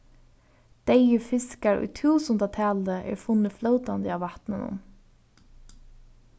deyðir fiskar í túsundatali er funnir flótandi á vatninum